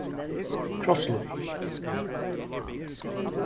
krosslíð